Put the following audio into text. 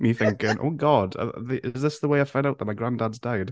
Me thinking "oh God, is this the way I find out that my grandad's died?"